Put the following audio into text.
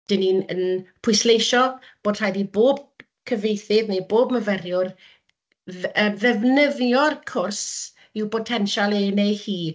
dan ni'n yn pwysleisio bod rhaid i bob cyfieithydd neu bob myfyriwr dd- yy ddefnyddio'r cwrs i'w botensial e neu hi.